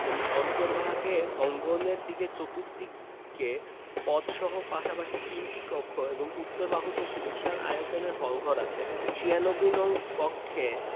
এবং অভ্যন্তরভাগে অঙ্গনের দিকে চতুর্দিকে পথসহ পাশাপাশি তিনটি কক্ষ এবং উত্তর বাহুতে একটি বিশাল আয়তনের হলঘর আছে ৯৬ নং কক্ষে